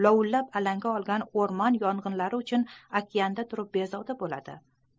lovullab alanga olgan o'rmon yong'inlari uchun okeanda turib bezovta bo'ladi